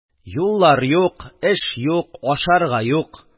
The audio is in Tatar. Юллар юк, эш юк, ашарга юк!